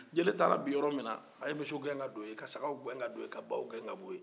jele taara bin yɔrɔ min na a ye misiw gɛn ka don yen ka sagaw gɛn ka don yen ka baw gɛn ka don yen